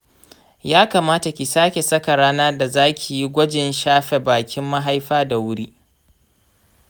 ya kamata ki sake saka ranan da zakiyi gwajin shafe bakin mahaifa da wuri.